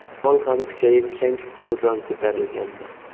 shamol ham kuchayib chang to'zon ko'tarilgandi